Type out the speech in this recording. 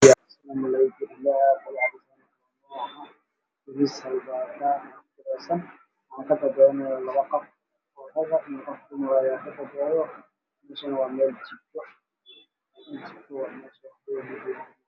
Meshan waa miis waxaa saran labo saxan waxaa ku jiro jabaati